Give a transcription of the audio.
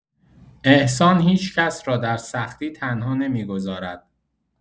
احسان هیچ‌کس را در سختی تنها نمی‌گذارد.